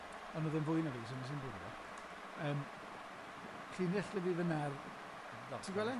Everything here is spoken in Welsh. on' o'dd e'n fwy na fi so wnes i'm bwrw e, yym llinell lyfli fan 'na'r, ti'n gwel' e?